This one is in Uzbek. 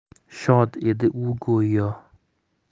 shod edi u go'yo